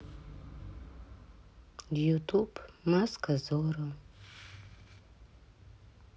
ютуб маска зорро